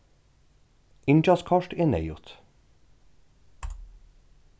inngjaldskort er neyðugt